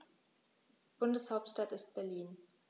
Bundeshauptstadt ist Berlin.